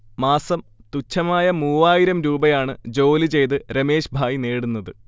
മാസം തുച്ഛമായ മൂവായിരം രൂപയാണ് ജോലി ചെയ്ത് രമേശ്ഭായ് നേടുന്നത്